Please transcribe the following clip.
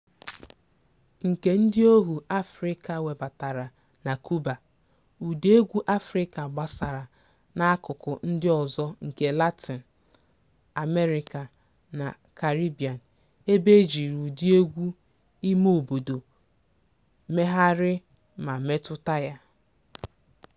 Nke ndịohu Afrịka webatara na Cuba, ụdaegwu Afrịka gbasara n'akụkụ ndị ọzọ nke Latin America na Caribbean, ebe e jiri ụdị egwu imeobodo megharị ma metụta ya.